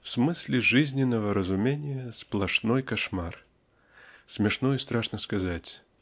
в смысле жизненного разумения--сплошной кошмар. Смешно и страшно сказать